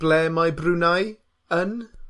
ble mae Brunei yn?